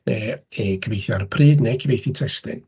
Neu ee gyfeithu ar y pryd neu gyfieithu testun.